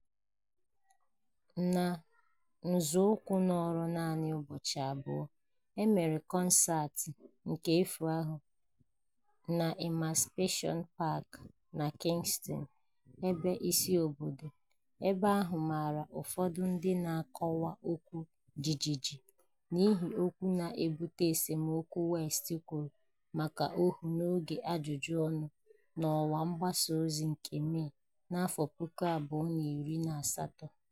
Na nziọkwa nọrọ naanị ụbọchi abụọ, e mere kọnseetị nke efu ahụ n'Emancipation Park na Kingston, ebe isi obodo — ebe ahụ mara ụfọdụ ndi na-akọwa okwu jijiji n'ihi okwu na-ebute esemokwu West kwuru maka óhù n'oge ajụjụ ọnụ n'ọwa mgbasa ozi na Mee 2018.